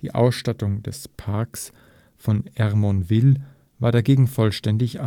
Ausstattung der Parks von Ermenonville war dagegen vollständig